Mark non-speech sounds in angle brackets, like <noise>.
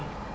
<hesitation> <hesitation>